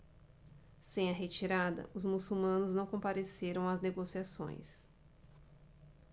sem a retirada os muçulmanos não compareceram às negociações